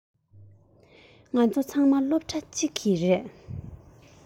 ང ཚོ ཚང མ སློབ གྲྭ གཅིག གི རེད